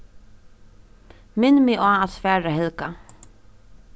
minn meg á at svara helga